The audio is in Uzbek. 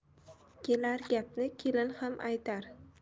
kelar gapni kelin ham aytar